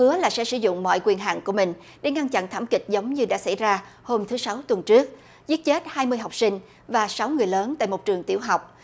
hứa là sẽ sử dụng mọi quyền hạn của mình để ngăn chặn thảm kịch giống như đã xảy ra hôm thứ sáu tuần trước giết chết hai mươi học sinh và sáu người lớn tại một trường tiểu học